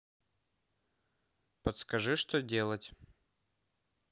подскажи что делать